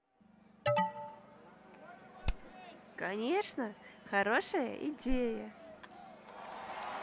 конечно хорошая идея